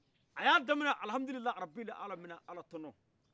a ya daminɛ al hamdulilahi rabil alamina alatɔnɔ